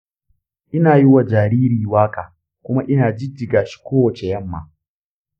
ina yi wa jariri waƙa kuma ina jijjiga shi kowace yamma.